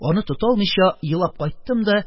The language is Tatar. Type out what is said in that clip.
Аны тота алмыйча, елап кайттым да